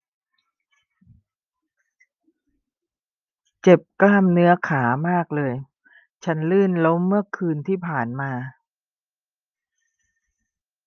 เจ็บกล้ามเนื้อขามากเลยฉันลื่นล้มเมื่อคืนที่ผ่านมา